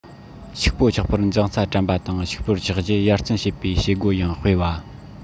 ཕྱུག པོ ཆགས པར འབྱུང རྩ དྲན པ དང ཕྱུག པོ ཆགས རྗེས ཡར བརྩོན བྱེད པའི བྱེད སྒོ ཡང སྤེལ བ